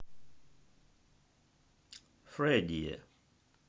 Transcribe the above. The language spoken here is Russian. freddie